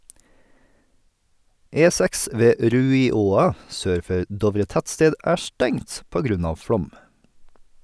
E6 ved Ruiåa, sør for Dovre tettsted, er stengt på grunn av flom.